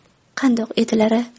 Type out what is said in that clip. qandoq edilar a